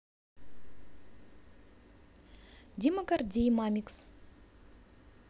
дима гордей мамикс